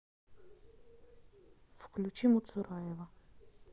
включи муцураева